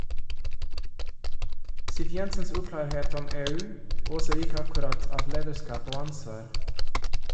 Siv Jensens uklarhet om EU oser ikke akkurat av lederskap og ansvar.